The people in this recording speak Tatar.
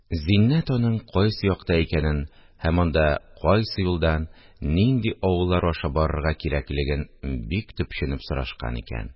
Зиннәт аның кайсы якта икәнен һәм анда кайсы юлдан, нинди авыллар аша барырга кирәклеген бик төпченеп сорашкан икән